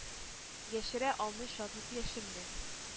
Яшерә алмый шатлык яшемне,